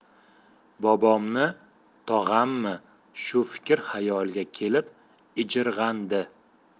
bobommi tog'ammi shu fikr xayoliga kelib ijirg'andi